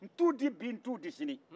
ntu di b'i ntu di sinin